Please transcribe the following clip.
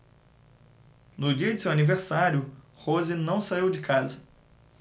no dia de seu aniversário rose não saiu de casa